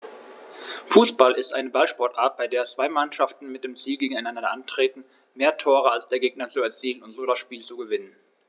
Fußball ist eine Ballsportart, bei der zwei Mannschaften mit dem Ziel gegeneinander antreten, mehr Tore als der Gegner zu erzielen und so das Spiel zu gewinnen.